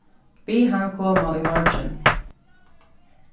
bið hann koma í morgin